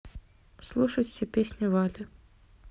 слушать все песни вали